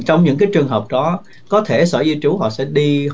trong những cái trường hợp đó có thể sở di trú họ sẽ đi